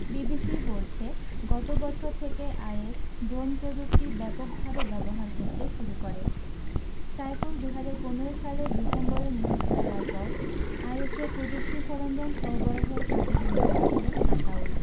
বিবিসির বলছে গত বছর থেকে আইএস ড্রোন প্রযুক্তি ব্যাপকভাবে ব্যবহার করতে শুরু করে সাইফুল ২০১৫ সালের ডিসেম্বরে নিহত হওয়ার পর আইএসের প্রযুক্তি সরঞ্জাম সরবরাহের কাজে জড়িত ছিলেন আতাউল